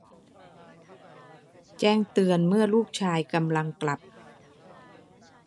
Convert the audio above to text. แจ้งเตือนเมื่อลูกชายกำลังกลับ